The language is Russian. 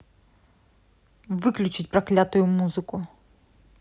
выключить проклятую музыку